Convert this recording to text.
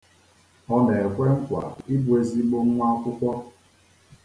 Ọ na-ekwe nkwa ịbụ ezigbo nwa akwụkwọ.